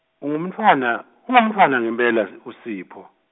ungumntfwana, ungumntfwana ngempela S-, uSipho.